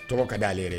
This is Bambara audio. Tɔgɔ ka di'alere